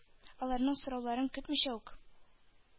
Аларның сорауларын көтмичә үк,